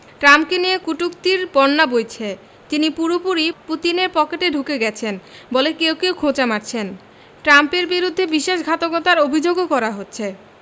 ট্রাম্পকে নিয়ে কটূক্তির বন্যা বইছে তিনি পুরোপুরি পুতিনের পকেটে ঢুকে গেছেন বলে কেউ কেউ খোঁচা মারছেন ট্রাম্পের বিরুদ্ধে বিশ্বাসঘাতকতার অভিযোগও করা হচ্ছে